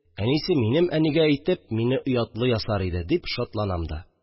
Әнисе, минем әнигә әйтеп, мине оятлы ясар иде», – дип шатланам да.